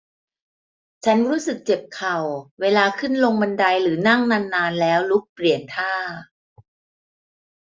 ฉันรู้สึกเจ็บเข่าเวลาขึ้นลงบันไดหรือนั่งนานนานแล้วลุกเปลี่ยนท่า